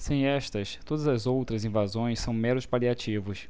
sem estas todas as outras invasões são meros paliativos